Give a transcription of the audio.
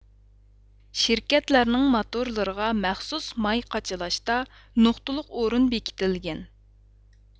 شىركەتلەرنىڭ ماتورلىرىغا مەخسۇس ماي قاچىلاشتا نۇقتىلىق ئورۇن بېكىتىلگەن